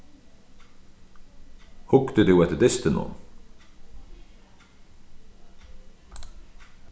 hugdi tú eftir dystinum